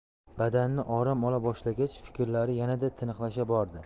badani orom ola boshlagach fikrlari yanada tiniqlasha bordi